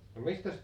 no mistäs te